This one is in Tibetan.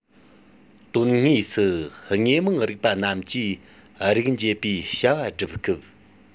དོན དངོས སུ དངོས མང རིག པ རྣམས ཀྱིས རིགས འབྱེད པའི བྱ བ སྒྲུབ སྐབས